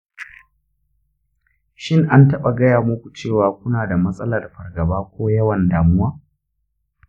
shin an taɓa gaya muku cewa kuna da matsalar fargaba ko yawan damuwa?